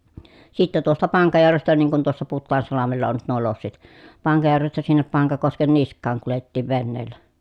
sitten tuosta Pankajärvestä niin kun tuossa Putaansalmella on nyt nuo lossit Pankajärvestä sinne Pankakosken niskaan kuljettiin veneellä